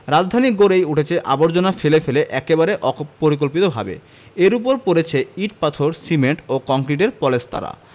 রাজধানী গড়েই উঠেছে আবর্জনা ফেলে ফেলে একেবারেই অপরিকল্পিতভাবে এর ওপর পড়েছে ইট পাথর সিমেন্ট ও কংক্রিটের পলেস্তারা